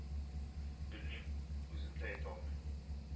Белмим, үзем дә әйтә алмыйм